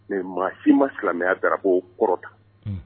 Mais maa si ma silamɛya drapeau kɔrɔta